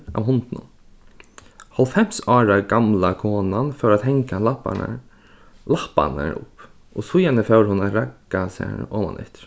av hundunum hálvfems ára gamla konan fór at hanga lapparnar lapparnar upp og síðani fór hon at ragga sær omaneftir